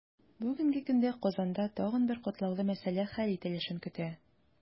Бүгенге көндә Казанда тагын бер катлаулы мәсьәлә хәл ителешен көтә.